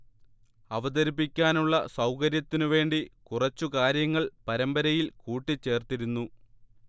അവതരിപ്പിക്കാനുള്ള സൗകര്യത്തിനു വേണ്ടി കുറച്ച് കാര്യങ്ങൾ പരമ്പരയിൽ കൂട്ടിച്ചേർത്തിരുന്നു